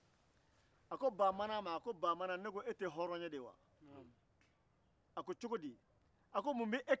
ni i taara i cɛlala i bɛ a kɛtan i bɛ a kɛtan yani i ka taa cɛlala fɔlɔ i bɛ la dege ali dunan bisimilali fɔlɔla i